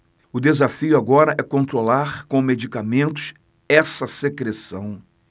o desafio agora é controlar com medicamentos essa secreção